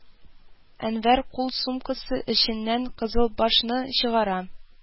Әнвәр кул сумкасы эченнән «кызыл баш»-ны чыгара